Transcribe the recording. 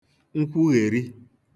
nkwughèri